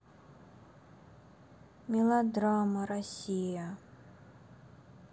мелодрама россия